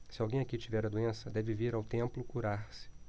se alguém aqui tiver a doença deve vir ao templo curar-se